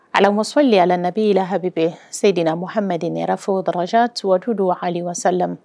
Alamusosɔlila nabila' la ha bɛɛ se dena ma hamaren fɔ o dɔgɔtɔrɔtuwaju don wa hali wasa lamɛn